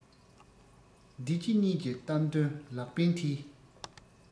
འདི ཕྱི གཉིས ཀྱི གཏམ དོན ལག པའི མཐིལ